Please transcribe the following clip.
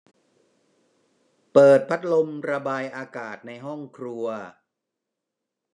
เปิดพัดลมระบายอากาศในห้องครัว